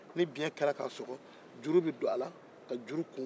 ni biyɛn kɛla k'a sɔgɔ juru bɛ don a la ka juru kun bɔ